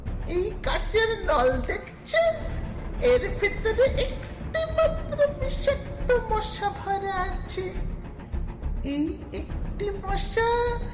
এই কাচের নল দেখছেন এ টির ভিতরে একটি মাত্র বিষাক্ত মশা ভরা আছে এই একটি মশা